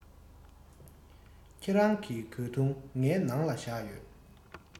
ཁྱེད རང གི གོས ཐུང ངའི ནང ལ བཞག ཡོད